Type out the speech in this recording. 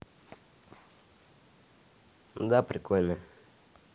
да прикольно